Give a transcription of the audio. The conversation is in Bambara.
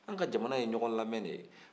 an ka jamana ye ɲɔgɔn lamɛ de ye